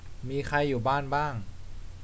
มีใครอยู่บ้านบ้าง